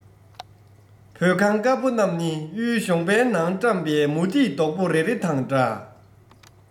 བོད ཁང དཀར པོ རྣམས ནི གཡུའི གཞོང པའི ནང བཀྲམ པའི མུ ཏིག རྡོག པོ རེ རེ དང འདྲ